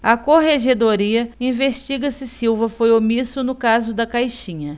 a corregedoria investiga se silva foi omisso no caso da caixinha